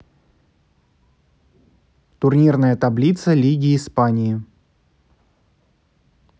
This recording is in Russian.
турнирная таблица лиги испании